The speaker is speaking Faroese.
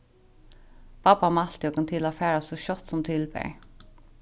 babba mælti okkum til at fara so skjótt sum til bar